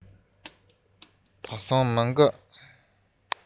དེང སང མི འདུག